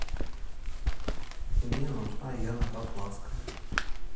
мне нужна яна поплавская